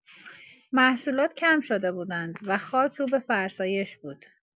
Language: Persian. محصولات کم شده بودند و خاک رو به فرسایش بود.